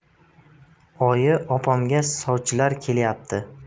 oyi opamga sovchilar kelyapti